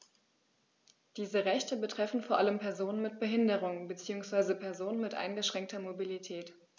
Diese Rechte betreffen vor allem Personen mit Behinderung beziehungsweise Personen mit eingeschränkter Mobilität.